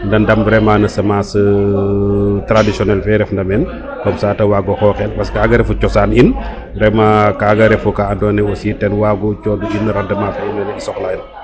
de ndam no vraiment no semence traditionnel fe ref na men comme ca te wago xoxel parce que kaga refu cosaan in vraiment kaga refu ka ando naye aussi ten wagu conda in rendement fe i soxla na